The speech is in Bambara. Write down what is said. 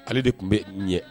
Ale de tun bɛ ɲɛ.